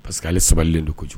Parce que ale sabalilen don kojugu